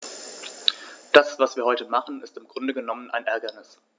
Das, was wir heute machen, ist im Grunde genommen ein Ärgernis.